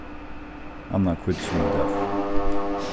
annar hvítusunnudagur